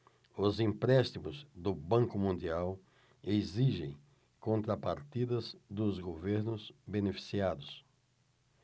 os empréstimos do banco mundial exigem contrapartidas dos governos beneficiados